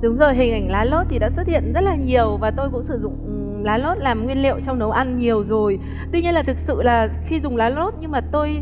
đúng rồi hình ảnh lá lốt thì đã xuất hiện rất là nhiều và tôi cũng sử dụng lá lốt làm nguyên liệu trong nấu ăn nhiều rồi tuy nhiên là thực sự là khi dùng lá lốt nhưng mà tôi